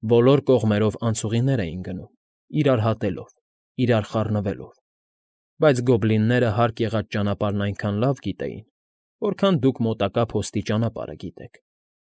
Բոլոր կողմերով անցուղիներ էին գնում՝ իրար հատելով, իրար խառնվելով, բայց գոբլինները հարկ եղած ճանապարհն այնքան լավ գիտեին, որքան դուք մոտակա փոստի ճանապարհը գիտեք։